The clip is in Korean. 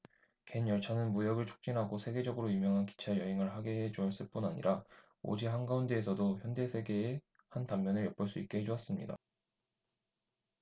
갠 열차는 무역을 촉진하고 세계적으로 유명한 기차 여행을 하게 해 주었을 뿐 아니라 오지 한가운데에서도 현대 세계의 한 단면을 엿볼 수 있게 해 주었습니다